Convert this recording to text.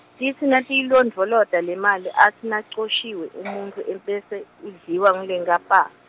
titsi natiyilondvolota lemali atsi nacoshiwe umuntfu em- bese idliwa ngulenkapa-.